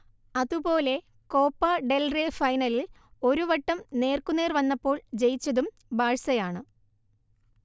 അതുപോലെ Copa del Rey ഫൈനലിൽ ഒരു വട്ടം നേർക്കുനേർ വന്നപ്പോൾ ജയിച്ചതും ബാഴ്സയാണ്